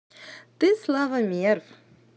ты слава мерв